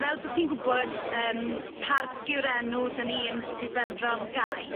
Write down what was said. Fel bo' ti'n gwbod yym parc yw'r enw 'dy ni yn sir Benfro am gae.